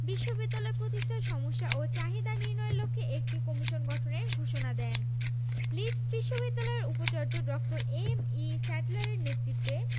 বিশ্ববিদ্যালয় প্রতিষ্ঠার সমস্যা ও চাহিদা নির্ণয়ের লক্ষ্যে একটি কমিশন গঠনের ঘোষণা দেন লিড্স বিশ্ববিদ্যালয়ের উপাচার্য ড. এম.ই স্যাডলারের নেতৃত্বে